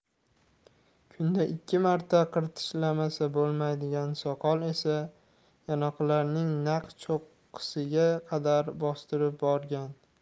kunda ikki marta qirtishlamasa bo'lmaydigan soqol esa yonoqlarining naq cho'qqisiga qadar bostirib borgan